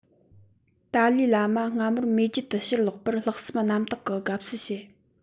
ཏཱ ལའི བླ མ སྔ མོར མེས རྒྱལ དུ ཕྱིར ལོག པར ལྷག བསམ རྣམ དག གི དགའ བསུ བྱེད